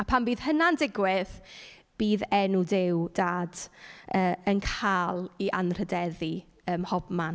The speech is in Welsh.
Pan fydd hynna'n digwydd bydd enw Duw Dad yy yn cael ei anrhydeddu ym mhobman.